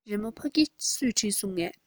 རི མོ ཕ གི སུས བྲིས སོང